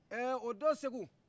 ɛ o don segu